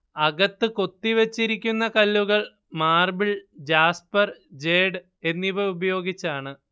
അകത്ത് കൊത്തി വച്ചിരിക്കുന്ന കല്ലുകൾ മാർബിൾ ജാസ്പർ ജേഡ് എന്നിവ ഉപയോഗിച്ചാണ്